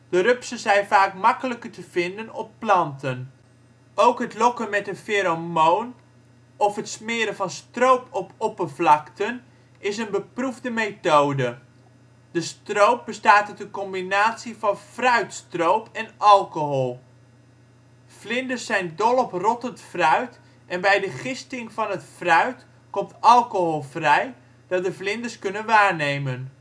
de rupsen zijn vaak makkelijker te vinden op planten. Ook het lokken met een feromoon of het smeren van stroop op oppervlakten is een beproefde methode. De stroop bestaat uit een combinatie van fruitstroop en alcohol. Vlinders zijn dol op rottend fruit en bij de gisting van het fruit komt alcohol vrij dat de vlinders kunnen waarnemen